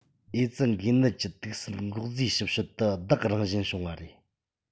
ཨེ ཙི འགོས ནད ཀྱི དུག སྲིན འགོག རྫས ཞིབ དཔྱོད དུ གདགས རང བཞིན བྱུང བ རེད